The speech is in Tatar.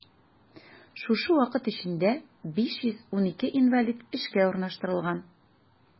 Шушы вакыт эчендә 512 инвалид эшкә урнаштырылган.